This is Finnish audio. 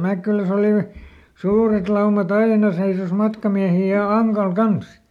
Mäkkylässä oli suuret laumat aina seisoi matkamiehiä ja Ankalla kanssa